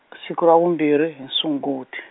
siku ra vumbirhi, hi Sunguti.